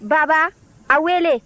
baba a wele